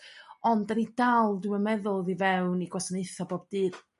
Ond dyn ni dal dwi'm meddwl oddi fewn i gwasanaetha' bob dydd